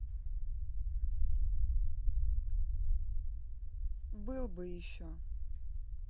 был бы еще